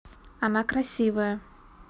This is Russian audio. она красивая